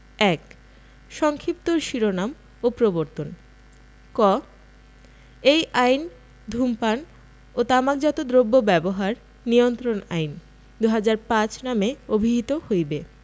১ সংক্ষিপ্ত শিরোনাম ও প্রবর্তন ক এই আইন ধূমপান ও তামাকজাত দ্রব্য ব্যবহার নিয়ন্ত্রণ আইন ২০০৫ নামে অভিহিত হইবে